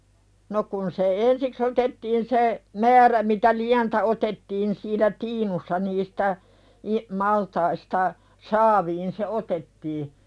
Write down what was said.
no kun se ensiksi otettiin se määrä mitä lientä otettiin siinä tiinussa niistä - maltaista saaviin se otettiin